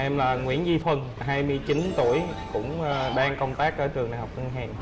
em là nguyễn duy thuần hai mươi chín tuổi cũng đang công tác ở trường đại học ngân hàng